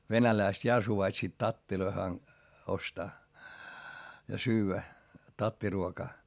venäläiset ja suvaitsivat tatteja - ostaa ja syödä tattiruokaa